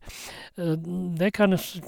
Det kan sj...